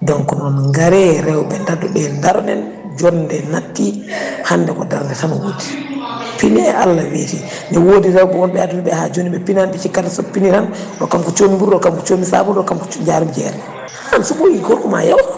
donc noon gaare rewɓe dadoɗen daaro ɗen jonde natti hande ko darde tan wooɗi piine Allah weeti ne wodi rewɓe wonɓe e aduna ɓe ha joni ɓe piinani ɓe cikkata sooɓe piini tan hokkam ko sodmi buuru rokkam ko soddmi sabunde rokkam ko jarumi jeerean so ɓooyi gorkoma yawete